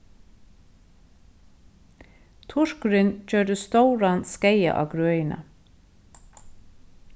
turkurin gjørdi stóran skaða á grøðina